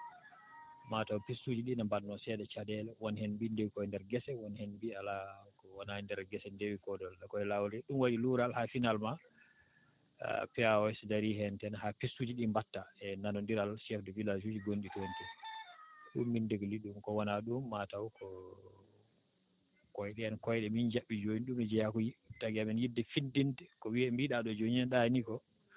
mataw piste uuji ɗi ne mbaɗnoo seeɗa caɗeele won heen mbindi koye ndeer gese woni heen mbi alaa wonaa ndeer gese ndeewi koye laawol rewi ɗum waɗi luural haa finalement POAS darii heen tan haa piste uuji ɗii mbattaa e nanonndiral chef de village uuji gonɗi toon ɗum min degli ɗum ko wonaa ɗum mataw ko ko koye ɗeen koyɗe min njaɓɓi jooni ɗum ne jeyaa ko tagi amen yiɗde finndinde ko wiyee ko mbiiɗaa ɗoo jooni ne ɗaanii koo